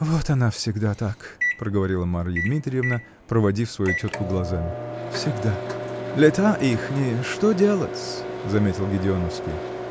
-- Вот она всегда так, -- проговорила Марья Дмитриевна, проводив свою тетку глазами, -- всегда! -- Лета ихние! Что делать-с! -- заметил Гедеоновсвий.